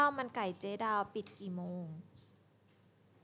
ข้าวมันไก่เจ๊ดาวปิดกี่โมง